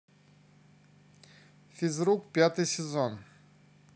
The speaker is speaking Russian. физрук пятый сезон